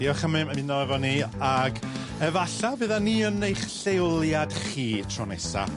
Diolch am ei- am ymuno efo ni ag efalla byddan ni yn eich lleoliad chi y tro nesa.